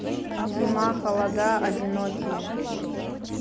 зима холода одинокие